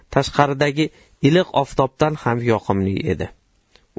tashqaridagi iliq oftobdan ham yoqimli edi